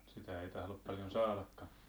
sitä ei tahdo paljon saadakaan